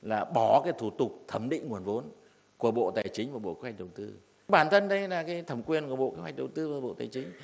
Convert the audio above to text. là bỏ cái thủ tục thẩm định nguồn vốn của bộ tài chính và bộ kế hoạch đầu tư bản thân đây là cái thẩm quyền của bộ kế hoạch đầu tư và bộ tài chính